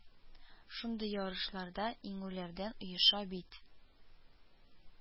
Шундый ярышларда иңүләрдән оеша бит